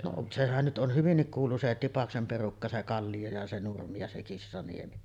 no sehän nyt on hyvinkin kuulu se Tipaksen perukka se Kallio ja se Nurmi ja se Kissaniemi